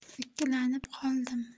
ikkilanib qoldim